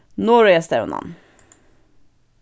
norðoyastevnan